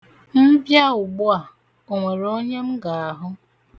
M bịa ugbua, o nwere onye m ga-ahụ?